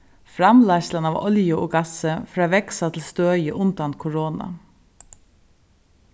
framleiðslan av olju og gassi fer at vaksa til støðið undan korona